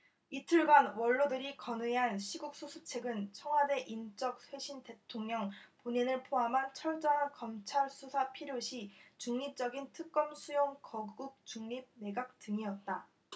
이틀간 원로들이 건의한 시국수습책은 청와대 인적 쇄신 대통령 본인을 포함한 철저한 검찰 수사 필요시 중립적인 특검 수용 거국중립내각 등이었다